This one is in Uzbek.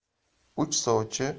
uch sovchi uch qizini